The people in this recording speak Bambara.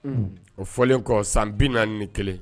O fɔlen kɔ san bi ni kelen